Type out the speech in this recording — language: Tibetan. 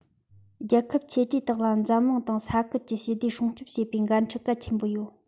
རྒྱལ ཁབ ཆེ གྲས དག ལ འཛམ གླིང དང ས ཁུལ གྱི ཞི བདེ སྲུང སྐྱོང བྱེད པའི འགན འཁྲི གལ ཆེན པོ ཡོད